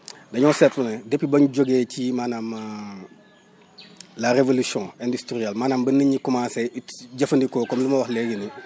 dañoo seetlu ne depuis ba ñu jógee ci maanaam la révolution industrielle maanaam ba nit ñi commencer ut jëfandikoo comme li ma wax léegi nii